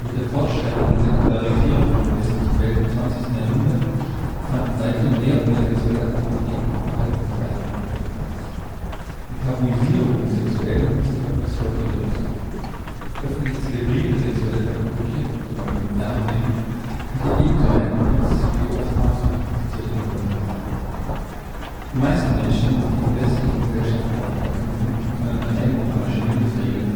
der fortschreitenden Säkularisierung der westlichen Welt im 20. Jahrhunderts fanden seitdem mehr und mehr sexuelle Aktivitäten und Verhaltensweisen Akzeptanz. Die Tabuisierung des Sexuellen ist jedoch oft bis heute wirksam: öffentlich „ zelebrierte “sexuelle Tabubrüche, z.B. im Fernsehen, sind hier ebenso ein Indiz wie die oftmals noch praktizierte Doppelmoral. Die meisten Menschen, die in westlichen Gesellschaften aufgewachsen sind, können drei moralische „ Mindestregeln